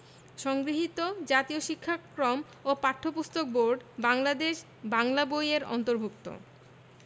সংগৃহীত জাতীয় শিক্ষাক্রম ও পাঠ্যপুস্তক বোর্ড বাংলাদেশ বাংলা বই এর অন্তর্ভুক্ত